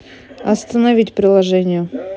остановить приложение